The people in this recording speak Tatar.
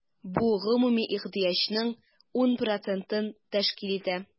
Бу гомуми ихтыяҗның 10 процентын тәшкил итә.